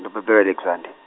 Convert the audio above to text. ndo bebelwa Alexande-.